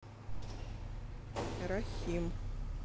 рахим